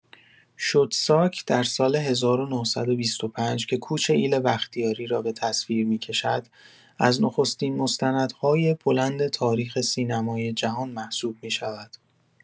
شودساک در سال ۱۹۲۵ که کوچ ایل بختیاری را به تصویر می‌کشد، از نخستین مستندهای بلند تاریخ سینمای جهان محسوب می‌شود.